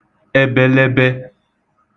ebelebe